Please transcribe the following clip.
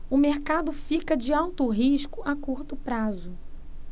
o mercado fica de alto risco a curto prazo